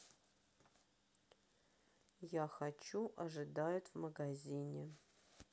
я хочу ожидают в магазине